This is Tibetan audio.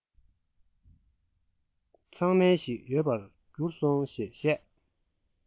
ཚང མལ ཞིག ཡོད པར གྱུར སོང ཞེས བཤད